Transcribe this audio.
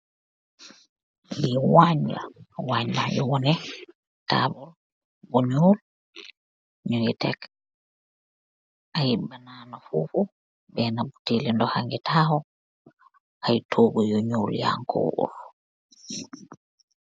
waanj bu ameh tokgu ak tabul bu nyeoul.